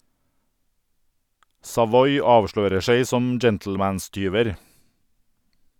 Savoy avslører seg som gentlemanstyver.